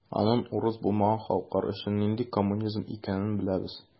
Аның урыс булмаган халыклар өчен нинди коммунизм икәнен беләбез.